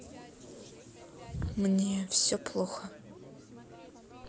мне все плохо